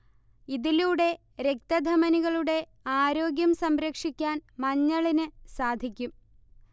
ഇതിലൂടെ രക്തധമനികളുടെ ആരോഗ്യം സംരക്ഷിക്കാൻ മഞ്ഞളിന് സാധിക്കും